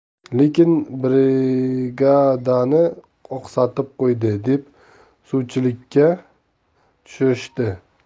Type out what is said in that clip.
lekin brigadani oqsatib qo'ydi deb suvchilikka tushirishdi